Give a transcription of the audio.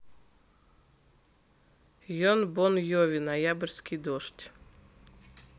john bon jovi ноябрьский дождь